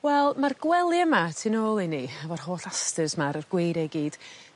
Wel ma'r gwely yma tu nôl i ni efo'r holl asters 'ma a'r yr gweirie i gyd